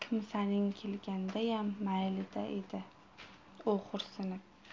kimsanim kelgandayam mayli edi dedi u xo'rsinib